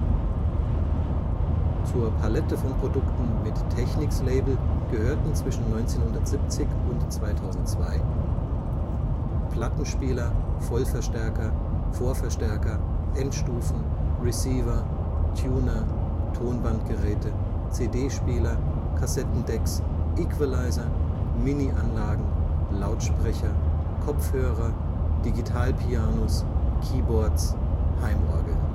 Zur Palette von Produkten mit Technics-Label gehörten zwischen 1970 und 2002: Plattenspieler Vollverstärker Vorverstärker Endstufen Receiver Tuner Tonbandgeräte CD-Spieler Kassettendecks Equalizer Mini-Anlagen Lautsprecher Kopfhörer Digitalpianos Keyboards Heimorgeln